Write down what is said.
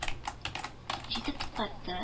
Җитеп туктатты